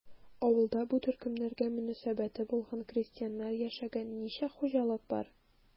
Авылда бу төркемнәргә мөнәсәбәте булган крестьяннар яшәгән ничә хуҗалык бар?